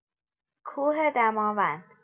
کوه دماوند